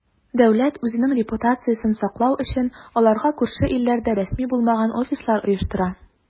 Дәүләт, үзенең репутациясен саклау өчен, аларга күрше илләрдә рәсми булмаган "офислар" оештыра.